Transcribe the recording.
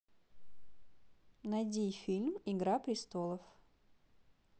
найди фильм игра престолов